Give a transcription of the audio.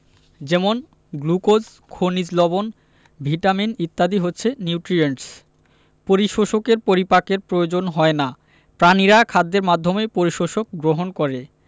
যেমন গ্লুকোজ খনিজ লবন ভিটামিন ইত্যাদি হচ্ছে নিউট্রিয়েন্টস পরিশোষকের পরিপাকের প্রয়োজন হয় না প্রাণীরা খাদ্যের মাধ্যমে পরিশোষক গ্রহণ করে